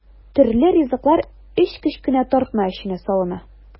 Төрле ризыклар өч кечкенә тартма эченә салына.